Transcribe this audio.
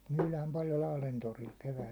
myydään paljon Lahden torilla keväästä aikaa